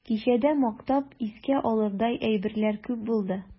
Кичәдә мактап искә алырдай әйберләр күп булды.